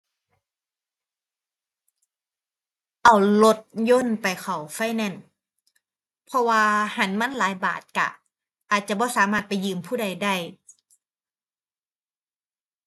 เอารถยนต์ไปเข้าไฟแนนซ์ เพราะว่าหั้นมันหลายบาทก็อาจจะบ่สามารถไปยืมผู้ใดได้